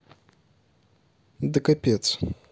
да капец